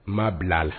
N m' bila